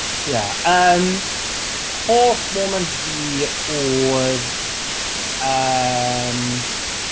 Ie, yym, hoff moment fi oedd, yym...